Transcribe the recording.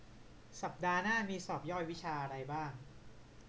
สัปดาห์หน้ามีสอบย่อยวิชาอะไรบ้าง